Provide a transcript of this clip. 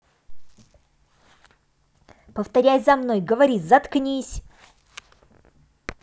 повторяй за мной говори заткнись